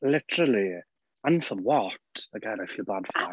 Literally and for what? Again, I feel bad for that.